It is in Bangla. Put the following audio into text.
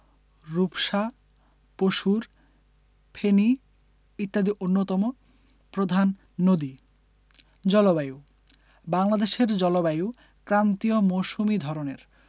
রূপসা পসুর ফেনী ইত্যাদি অন্যতম প্রধান নদী জলবায়ুঃ বাংলাদেশের জলবায়ু ক্রান্তীয় মৌসুমি ধরনের